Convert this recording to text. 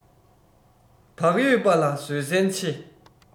བག ཡོད པ ལ བཟོད སྲན ཆེ